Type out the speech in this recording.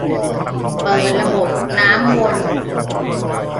เปิดระบบน้ำวน